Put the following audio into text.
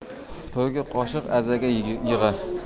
to'yga qo'shiq azaga yig'i